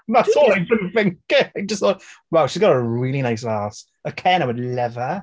That's all I've been thinking! Just like, "Wow, she's got a really nice arse." Ikenna would love her.